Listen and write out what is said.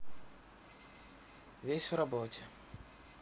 весь в работе